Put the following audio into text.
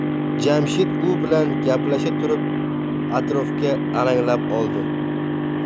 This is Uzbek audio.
jamshid u bilan gaplasha turib atrofga alanglab oldi